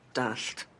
Dallt.